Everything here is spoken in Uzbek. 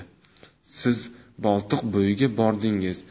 siz boltiq bo'yiga bordingiz